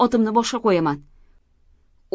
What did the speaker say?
otimni boshqa qo'yaman